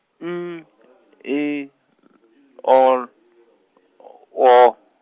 N I o L O.